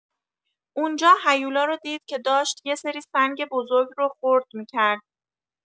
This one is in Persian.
اونجا هیولا رو دید که داشت یه سری سنگ بزرگ رو خورد می‌کرد.